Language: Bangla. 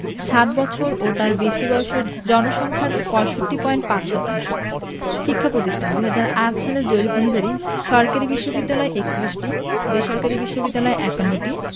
সাত বৎসর ও তার বেশি বয়সের জনসংখ্যার ৬৫.৫ শতাংশ শিক্ষাপ্রতিষ্ঠানঃ ২০০৮ সালের জরিপ অনুযায়ী সরকারি বিশ্ববিদ্যালয় ৩১টি বেসরকারি বিশ্ববিদ্যালয় ৫১টি